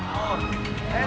hai